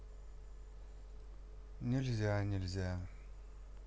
нельзя нельзя